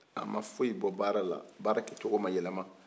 a ma fosi bɔ baara la baara kɛ cogo ma yɛlɛma